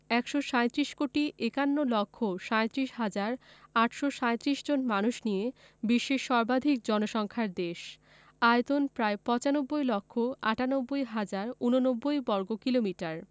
১৩৭ কোটি ৫১ লক্ষ ৩৭ হাজার ৮৩৭ জন মানুষ নিয়ে বিশ্বের সর্বাধিক জনসংখ্যার দেশ আয়তন প্রায় ৯৫ লক্ষ ৯৮ হাজার ৮৯ বর্গকিলোমিটার